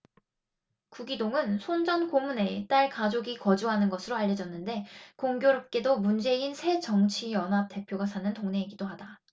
구기동은 손 전 고문의 딸 가족이 거주하는 것으로 알려졌는데 공교롭게도 문재인 새정치연합 대표가 사는 동네이기도 하다